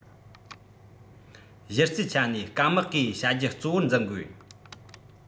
གཞི རྩའི ཆ ནས སྐམ དམག གིས བྱ རྒྱུ གཙོ བོར འཛིན དགོས